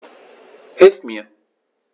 Hilf mir!